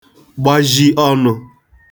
gbazhi ọnụ̄